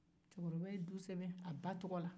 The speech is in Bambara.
cɛkɔrɔba ye du sɛbɛn a ba tɔgɔ la